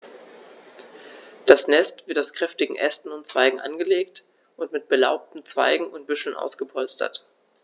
Das Nest wird aus kräftigen Ästen und Zweigen angelegt und mit belaubten Zweigen und Büscheln ausgepolstert.